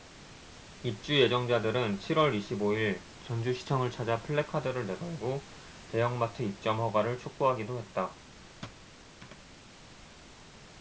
입주 예정자들은 칠 월 이십 오 일 전주시청을 찾아 플래카드를 내걸고 대형마트 입점 허가를 촉구하기도 했다